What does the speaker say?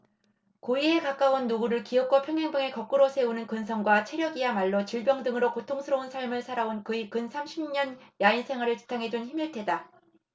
고희에 가까운 노구를 기어코 평행봉에 거꾸로 세우는 근성과 체력이야말로 질병 등으로 고통스런 삶을 살아온 그의 근 삼십 년 야인 생활을 지탱해준 힘일 테다